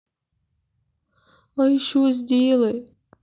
а еще сделай